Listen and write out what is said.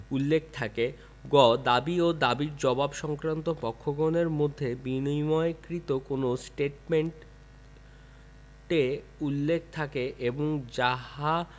উল্লেখ থাকে গ দাবী ও দাবীর জবাব সংক্রান্ত পক্ষগণের মধ্যে বিনিময়কৃত কোন ষ্টেটমেন্টে উল্লেখ থাকে যাহা